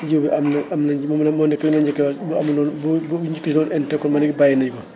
jiwu bi am na am na një moom rek moo nekk lu ñu njëkk a bu amuloon bu bu ñu si gisulwoon interêt ko ba léegi bàyyi nañu ko